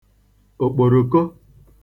òkpòròko